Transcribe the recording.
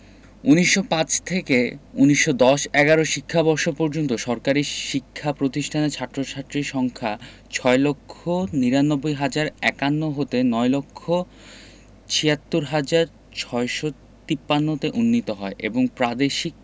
১৯০৫ থেকে ১৯১০ ১১ শিক্ষাবর্ষ পর্যন্ত সরকারি শিক্ষা প্রতিষ্ঠানের ছাত্র ছাত্রীদের সংখ্যা ৬ লক্ষ ৯৯ হাজার ৫১ হতে ৯ লক্ষ ৭৬ হাজার ৬৫৩ তে উন্নীত হয় এবং প্রাদেশিক